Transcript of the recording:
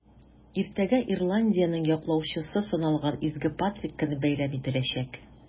Иртәгә Ирландиянең яклаучысы саналган Изге Патрик көне бәйрәм ителәчәк.